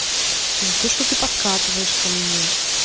за то что ты подкатываешь ко мне